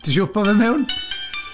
Ti isie hwpo fe mewn?